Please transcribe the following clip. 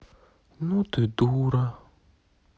ну ты дура